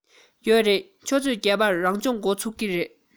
ཡོད རེད ཆུ ཚོད བརྒྱད པར རང སྦྱོང འགོ ཚུགས ཀྱི རེད